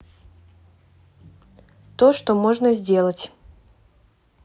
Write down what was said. то что можно сделать